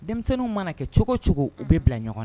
Denmisɛnnin mana kɛ cogo cogo u bɛ bila ɲɔgɔn na